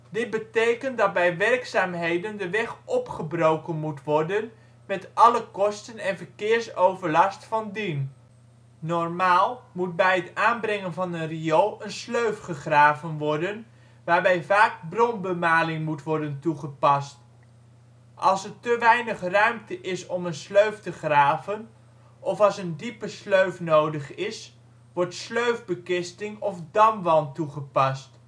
Dit betekent dat bij werkzaamheden de weg opgebroken moet worden met alle kosten en (verkeers) overlast van dien. Normaal moet bij het aanbrengen van een riool een sleuf gegraven worden, waarbij vaak bronbemaling moet worden toegepast. Als er te weinig ruimte is om een sleuf te graven, of als een diepe sleuf nodig is, wordt sleufbekisting of damwand toegepast